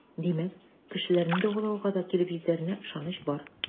Димәк, кешеләрне дәвалауга да килеп җитәренә ышаныч бар.